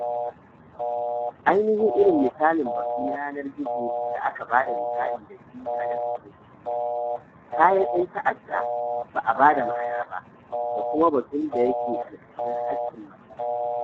Ainihin irin misalin batu na yanar gizo da aka ba da misali da shi a daftarin shi ne ''kayan 'yan ta'adda' ( ba a ba da ma'na ba) da kuma batun da yake ƙarƙashin haƙƙin mallaka.